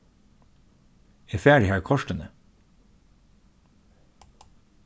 eg fari har kortini